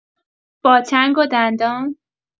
با چنگ و دندان